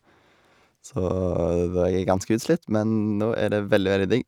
Så jeg er ganske utslitt, men nå er det veldig, veldig digg.